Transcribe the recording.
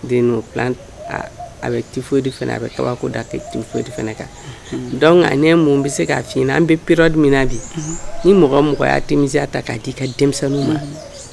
Den a bɛ foyi de fana a bɛ kabako da foyi de fana kan dɔnku nka ne mun bɛ se kaa an bɛ pere min na bi ni mɔgɔ mɔgɔ y' tɛmɛmiya ta k'a di i ka denmisɛnnin ma